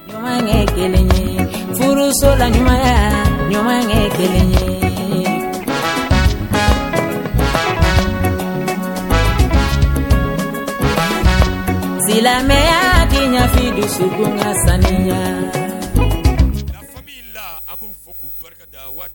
Ɲumankɛ kelen furuso la ɲumanya ɲumankɛ kelen silamɛ jiginfi suɲɔgɔn ka saniniya